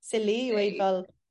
sili i weud fel